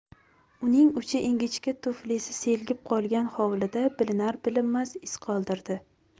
uning uchi ingichka tuflisi selgib qolgan hovlida bilinar bilinmas iz qoldirdi